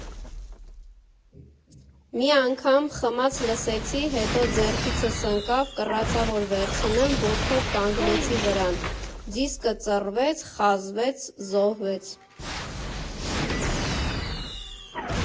Մի անգամ խմած լսեցի, հետո ձեռքիցս ընկավ, կռացա, որ վերցնեմ՝ ոտքով կանգնեցի վրան, դիսկը ծռվեց, խազվեց, զոհվեց…